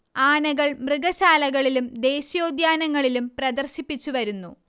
ആനകൾ മൃഗശാലകളിലും ദേശീയോദ്യാനങ്ങളിലും പ്രദർശിപ്പിച്ചുവരുന്നു